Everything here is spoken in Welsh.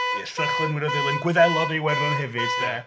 Llychlynwyr o Ddulyn, Gwyddelod Iwerddon hefyd 'de